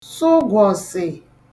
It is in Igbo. sụgwọ̀sị̀